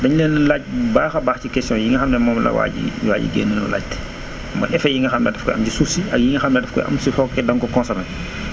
dañ leen laaj bu baax a baax ci question yi nga xam ne moom la waa ji génn doon laajte mooy effet yi nga xam ne daf koy am ci suuf si ay yi nga xam ne daf koy am su fekkee da nga ko consommé